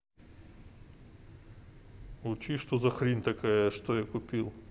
учись что за хрень такая что я купил